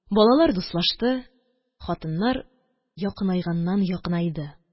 Балалар дустлашты. Хатыннар якынайганнан-якынайды